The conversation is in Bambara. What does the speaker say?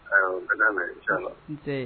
A''